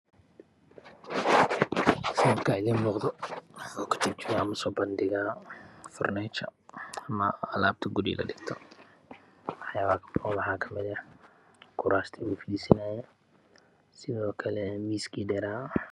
Sawarkan idin muuqdo waxow karujima alab sida kurasman iyo misas